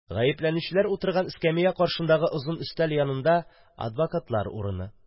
Гаепләнүчеләр утырган эскәмия каршындагы озын өстәл янында – адвокатлар урыны.